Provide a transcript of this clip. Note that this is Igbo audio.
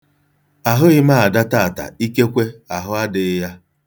Ahụghi m Ada taata, ikekwe, ahụ adịghị ya.